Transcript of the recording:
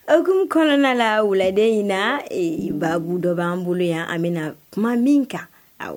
Okumu kɔnɔna la wuladen in na baa babu dɔ b'an bolo yan an bɛ kuma min kan aw